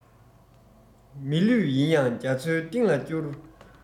མི ལུས ཡིན ཡང རྒྱ མཚོའི གཏིང ལ བསྐྱུར